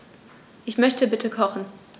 Ich möchte bitte kochen.